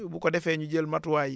bu ko defee ñu jël matuwaay yi